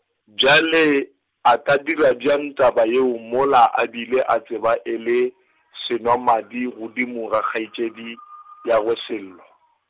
bjale, a ka dira bjang taba yeo mola a bile a tseba e le , senwamadi godimo ga kgaetšediagwe Sello.